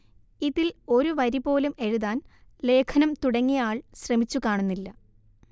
ഇതിൽ ഒരു വരി പോലും എഴുതാൻ ലേഖനം തുടങ്ങിയ ആൾ ശ്രമിച്ചു കാണുന്നില്ല